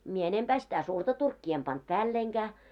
minä enempää sitä suurta turkkia en pannut päällenikään